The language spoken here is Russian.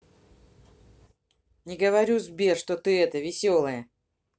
не говорю сбер что ты это веселая